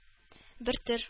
Бертөр